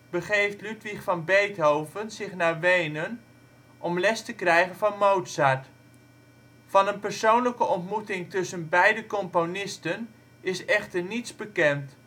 begeeft Ludwig van Beethoven zich naar Wenen om les te krijgen van Mozart. Van een persoonlijke ontmoeting tussen beide componisten is echter niets bekend